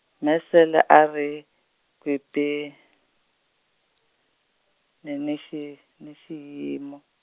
Nsele a ri, ripi, ni ni xi ni xiyimu.